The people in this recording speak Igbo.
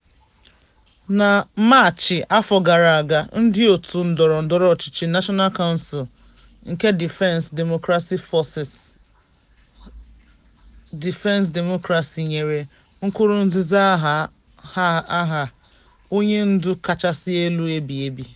"Na Maachị afọ gara aga, ndị òtù ndọrọndọrọ ọchịchị ya, National Council for the Defense of Democracy-Forces for the Defense of Democracy," nyere Nkurunziza aha a "onye ndu kachasị elu ebighị ebi"